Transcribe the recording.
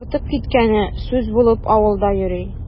Артып киткәне сүз булып авылда йөри.